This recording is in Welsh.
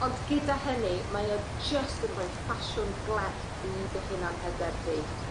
Ond gyda hynny mae o jyst yn rhoi ffasiwn glec i dy hunanhyder di.